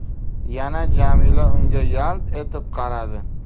yana jamila unga yalt etib qaradi